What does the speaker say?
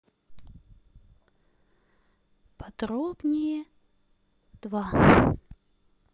подробнее два